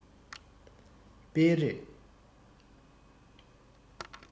སྤེལ རེས